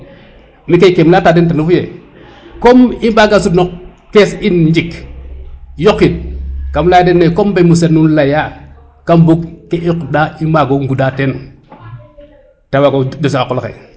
mi kay kem leya ta den ten refu ye comme i mbaga sut no caisse in njik yoqiɗ kam leya dene comme mbey mu set nu leya kam bug tige yoq bo i mbago ngoda ten te wago dos xa qola xe